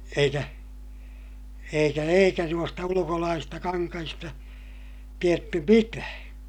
eikä eikä eikä noista ulkolaisista kankaista tiedetty mitään